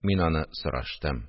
Мин аны сораштым